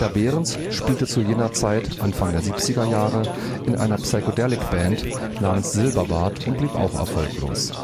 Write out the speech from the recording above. Behrens spielte zu jener Zeit (Anfang der 1970er Jahre) in einer Psychedelic-Band namens „ Silberbart “und blieb auch erfolglos